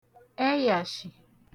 ẹyàshị̀